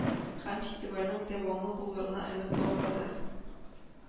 Һәм фестивальнең дәвамлы булырына өмет баглады